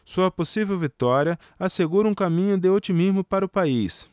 sua possível vitória assegura um caminho de otimismo para o país